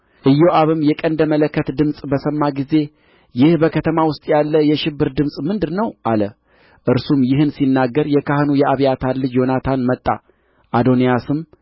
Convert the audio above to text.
ኢዮአብም የቀንደ መለከት ጽምፅ በሰማ ጊዜ ይህ በከተማ ውስጥ ያለ የሽብር ድምፅ ምንድር ነው አለ እርሱም ይህን ሲናገር የካህኑ የአብያታር ልጅ ዮናታን መጣ አዶንያስም